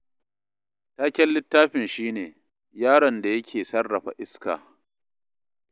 Taken littafin shi ne 'Yaron da Yake Sarrafa Iska.